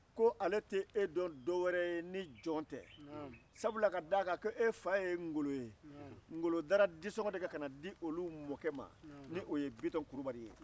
ko ale tɛ e dɔn dɔwɛrɛ ye ni jɔn tɛ sabula ka d'a kan ko e fa ye ngolo ye ngolo dara disɔngɔ de kan ka na di olu mɔkɛ ma ni o ye bitɔn kulubali ye